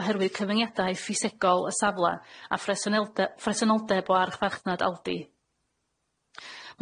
oherwydd cyfyngiada ffisegol y safle a phresynelde- phresenoldeb o archfarchnad Aldi.